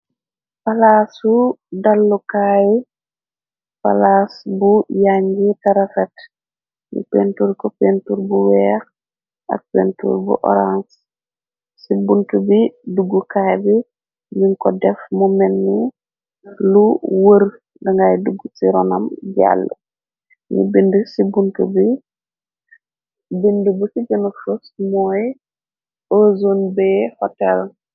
palaasu dallukaay palaas bu yangi tarafet, ni pentur ko pentur bu weex ak pentur bu orang ci bunk bi duggukaay bi yuñ ko def mu menn lu wër dangay dugg ci ronam jàll ni bind bu ci gënofus mooy ozen bay hotel.